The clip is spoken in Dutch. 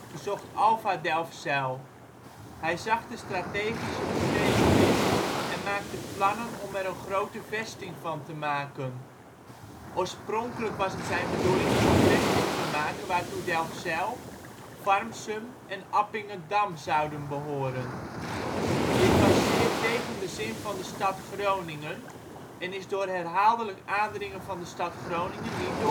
bezocht Alva Delfzijl. Hij zag de strategische betekenis en maakte plannen om er een grote vesting van te maken. Oorspronkelijk was het zijn bedoeling om een vesting te maken waartoe Delfzijl, Farmsum en Appingedam zouden behoren. Dit was zeer tegen de zin van de stad Groningen en is door herhaaldelijk aandringen van de stad Groningen niet doorgegaan